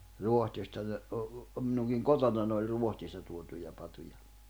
Ruotsista ne - minunkin kotonani oli Ruotsista tuotuja patoja